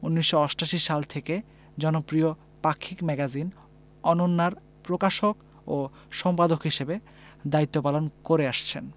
১৯৮৮ সাল থেকে জনপ্রিয় পাক্ষিক ম্যাগাজিন অনন্যা র প্রকাশক ও সম্পাদক হিসেবে দায়িত্ব পালন করে আসছেন